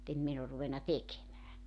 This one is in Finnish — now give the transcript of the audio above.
mutta en minä ole ruvennut tekemään